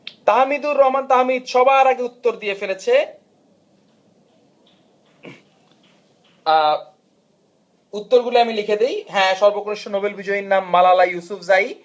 তাহমিদুর রহমান তাহমিদ সবার আগে উত্তর দিয়ে ফেলেছে উত্তরগুলি আমি লিখে দেই হ্যাঁ সর্বকনিষ্ঠ নোবেল বিজয়ী নাম মালালা ইউসুফজাই